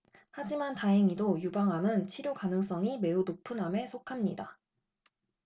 하지만 다행히도 유방암은 치료 가능성이 매우 높은 암에 속합니다